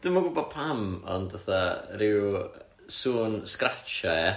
dwi'm yn gwbod pam ond fatha ryw sŵn sgratsio ia?